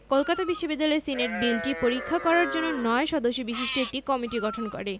কলকাতা বিশ্ববিদ্যালয় সিনেট বিলটি পরীক্ষা করার জন্য ৯ সদস্য বিশিষ্ট একটি কমিটি গঠন করে